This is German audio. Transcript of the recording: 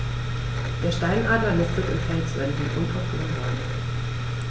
Der Steinadler nistet in Felswänden und auf hohen Bäumen.